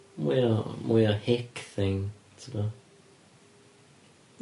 mwy o mwy o hick thing tibod?